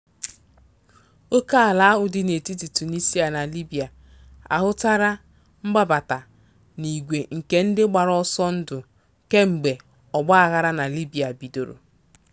Ókèala ahụ dị n'etiti Tunisia na Libya ahụtala mgbabata n'ìgwè nke ndị gbara ọsọndụ kemgbe ọgba aghara na Libya bidoro.